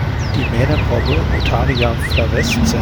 Die Mähnenrobbe (Otaria flavescens